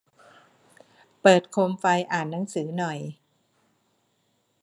เปิดโคมไฟอ่านหนังสือหน่อย